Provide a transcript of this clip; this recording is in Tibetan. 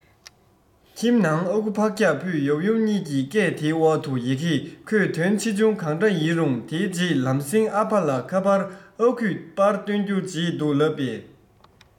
ཁྱིམ ནང ཨ ཁུ ཕག སྐྱག ཕུད ཡབ ཡུམ གཉིས ཀྱི སྐད དེའི འོག ཏུ ཡི གེ ཁོས དོན ཆེ ཆུང གང འདྲ ཡིན རུང དེའི རྗེས ལམ སེང ཨ ཕ ལ ཁ པར ཨ ཁུས པར བཏོན རྒྱུ བརྗེད འདུག ལབ པས